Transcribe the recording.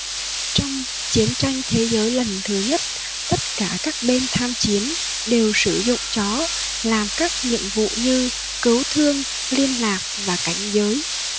trong chiến tranh thế giới lần thứ nhất tất cả các bên tham chiến đều sử dụng chó làm các nhiệm vụ như cứu thương liên lạc và cảnh giới